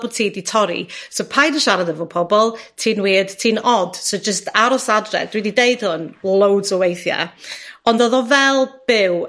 bo' ti 'di torri. So paid â siarad efo pobol. Ti'n wierd. Ti'n od. So jyst aros adre. Dwi 'di deud hwn loads o weithia, ond odd o fel byw